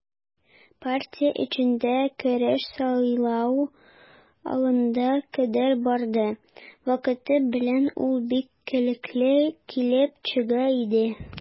Партия эчендә көрәш сайлау алдына кадәр барды, вакыты белән ул бик көлкеле килеп чыга иде.